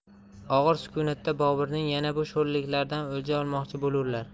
og'ir sukunatda boburning yana bu sho'rliklardan o'lja olmoqchi bo'lurlar